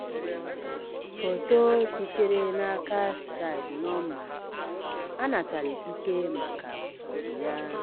Foto sitere n'aka Syed Noman. A natara ikike maka ojiji ya.